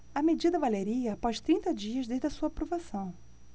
a medida valeria após trinta dias desde a sua aprovação